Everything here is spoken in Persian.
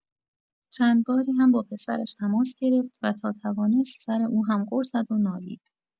چند باری هم با پسرش تماس گرفت و تا توانست سر او هم غر زد و نالید.